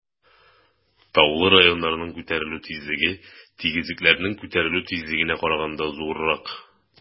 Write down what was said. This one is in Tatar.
Таулы районнарның күтәрелү тизлеге тигезлекләрнең күтәрелү тизлегенә караганда зуррак.